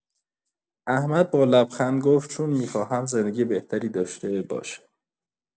احمد با لبخند گفت: چون می‌خواهم زندگی بهتری داشته باشم.